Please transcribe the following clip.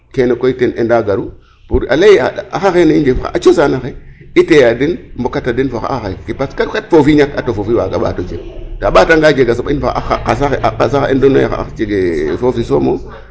Kene koy ten ENDA garu pour a lay ee xa ax axene i njegna xa coosan axe i teye a den mbokata den fo xa ax ake parce que kat foofi ñaka to foofi waaga ɓat o jeg ndaa a ɓaatanga jeg a soɓa in fo xa ax xa qas axe andoona yee xa ax jegee foofi soom o.